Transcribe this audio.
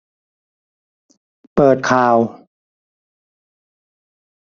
เปิดข่าว